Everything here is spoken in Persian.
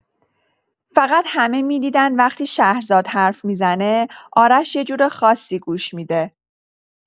فقط همه می‌دیدن وقتی شهرزاد حرف می‌زنه، آرش یه جور خاصی گوش می‌ده.